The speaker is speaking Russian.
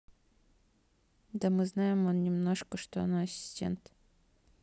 да мы знаем он немножко что она ассистент